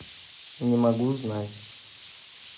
не могу знать